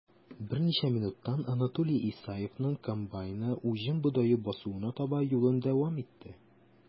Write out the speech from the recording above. Берничә минуттан Анатолий Исаевның комбайны уҗым бодае басуына таба юлын дәвам итте.